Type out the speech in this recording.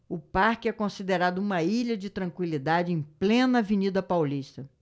o parque é considerado uma ilha de tranquilidade em plena avenida paulista